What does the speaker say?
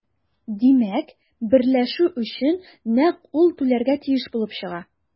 Димәк, берләшү өчен нәкъ ул түләргә тиеш булып чыга.